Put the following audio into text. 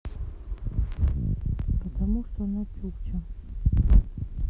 потому что она чукча